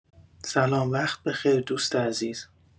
سلام وقت بخیر دوست عزیز